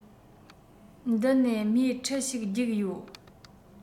མདུན ནས མས ཁྲིད ཞིག རྒྱུགས ཡོད